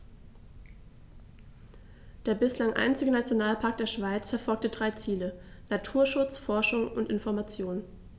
Der bislang einzige Nationalpark der Schweiz verfolgt drei Ziele: Naturschutz, Forschung und Information.